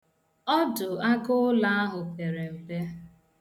Ọdụ agụụlọ ahụ pere mpe.